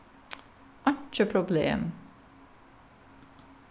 einki problem